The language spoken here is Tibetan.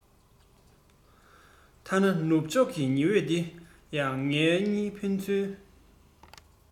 ཐ ན ནུབ ཕྱོག ཀྱི ཉི འོད འདི ཡང ང གཉིས ཕན ཚུན